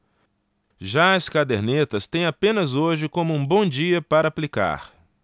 já as cadernetas têm apenas hoje como um bom dia para aplicar